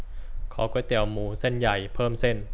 ขอก๋วยเตี๋ยวหมูเส้นใหญ่เพิ่มเส้น